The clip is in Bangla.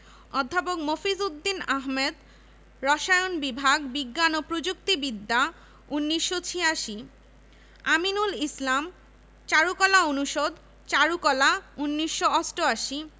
ড. গোবিন্দচন্দ্র দেব মরনোত্তর দর্শন বিভাগ স্বাধীনতা ও মুক্তিযুদ্ধ ২০০৮